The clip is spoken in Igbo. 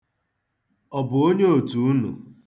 Ọ bụ onye otu unu?